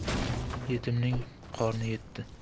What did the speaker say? yetimning qorni yetti